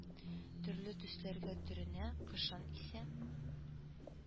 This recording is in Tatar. Төрле төсләргә төренә, кышын исә